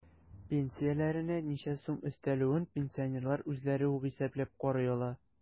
Пенсияләренә ничә сум өстәлүен пенсионерлар үзләре үк исәпләп карый ала.